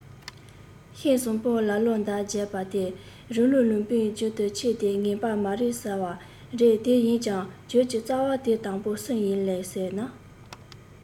ཤིང བཟང པོ ལ ལོ འདབ རྒྱས པ དེ རི ཀླུང ལུང པའི རྒྱན དུ ཆེ དེ ངན པ མ རེད བཟང བ རེད དེ ཡིན ཀྱང གྱོད ཀྱི རྩ བ དེ དང པོ སུ ཡིས ལན ཟེར ན